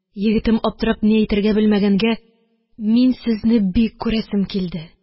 Егетем аптырап ни әйтергә белмәгәнгә: – Мин сезне бик күрәсем килде.